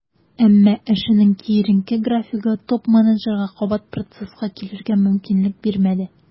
Әмма эшенең киеренке графигы топ-менеджерга кабат процесска килергә мөмкинлек бирмәде.